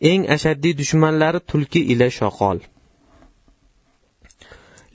eng ashaddiy dushmanlari tulki ila shaqol